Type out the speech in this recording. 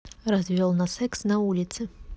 развел на секс на улице